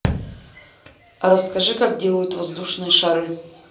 расскажи как делают воздушные шары